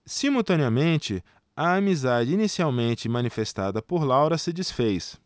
simultaneamente a amizade inicialmente manifestada por laura se disfez